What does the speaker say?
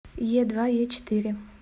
е два е четыре